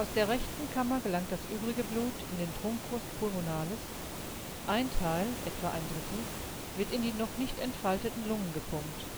der rechten Kammer gelangt das übrige Blut in den Truncus pulmonalis, ein Teil (etwa ein Drittel) wird in die noch nicht entfalteten Lungen gepumpt